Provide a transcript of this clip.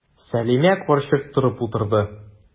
Сәлимә карчык торып утырды.